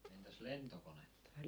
entäs lentokonetta